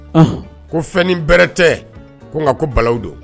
Ko fɛn ni bɛrɛ tɛ ko nka ko balalaw don